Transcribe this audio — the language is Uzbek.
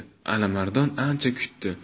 alimardon ancha kutdi